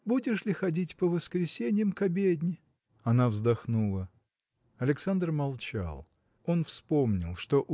будешь ли ходить по воскресеньям к обедне? Она вздохнула. Александр молчал. Он вспомнил что